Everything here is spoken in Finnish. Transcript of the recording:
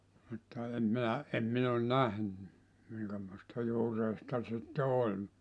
mutta en minä en minä ole nähnyt minkämoista juureista sitten oli